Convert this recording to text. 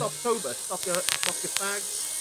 Stoptober? Stopio smocio fags?